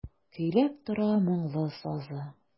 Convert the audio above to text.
Көйләп тора моңлы сазы.